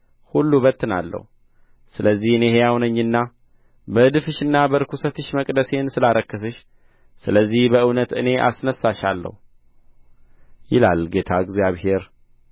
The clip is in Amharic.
ሁሉ እበትናለሁ ስለዚህ እኔ ሕያው ነኝና በእድፍሽና በርኵሰትሽ መቅደሴን ስላረከስሽ ስለዚህ በእውነት እኔ አሳንስሻለሁ ይላል ጌታ እግዚአብሔር